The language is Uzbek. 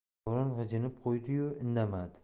davron g'ijinib qo'ydi yu indamadi